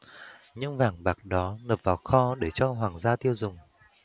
những vàng bạc đó nộp vào kho để cho hoàng gia tiêu dùng